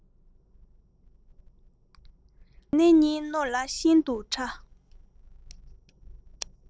དེ ཡི སྣེ གཉིས རྣོ ལ ཤིན ཏུ ཕྲ